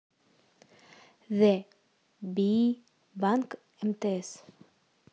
the bee банк мтс